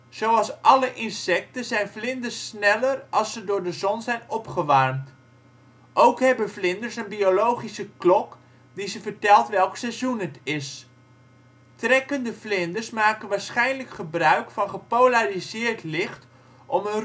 Zoals alle insecten zijn vlinders sneller als ze door de zon zijn opgewarmd. Ook hebben vlinders een biologische klok die ze vertelt welk seizoen het is. Trekkende vlinders maken waarschijnlijk gebruik van gepolariseerd licht om